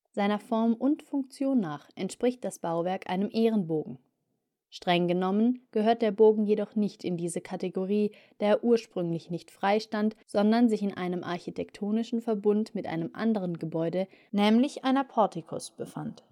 Seiner Form und Funktion nach entspricht das Bauwerk einem Ehrenbogen. Streng genommen gehört der Bogen jedoch nicht in diese Kategorie, da er ursprünglich nicht frei stand, sondern sich in einem architektonischen Verbund mit einem anderen Gebäude, nämlich einer Portikus, befand